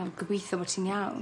Wel gobeithio bo' ti'n iawn.